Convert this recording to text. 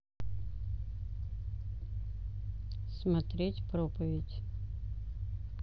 смотреть проповедь